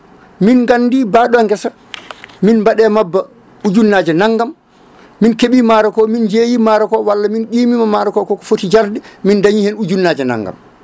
min gandi mbaɗo guesa min mbaɗe mabba ujunnaje naggam min keeɓi maaro ko min jeeyi maaro ko walla min qimima maaro ko ko foti jarde min dañi hen ujunnaje naggam